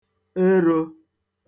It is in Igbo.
erō